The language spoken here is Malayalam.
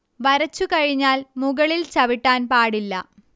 വരച്ചു കഴിഞ്ഞാൽ മുകളിൽ ചവിട്ടാൻ പാടില്ല